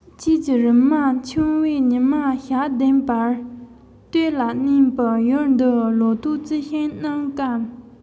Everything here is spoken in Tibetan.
ཁྱིད ཀྱི རིན མ འཁྱོངས བས ཉི མ ཞག བདུན བར སྟོད ལ མནན པས ཡུལ འདིའི ལོ ཏོག རྩི ཤིང རྣམས བསྐམས